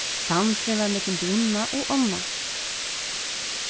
sandurin var millum brúnna og ánna